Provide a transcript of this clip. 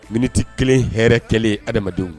Miniti kelen hɛrɛ kelen ha adamadenw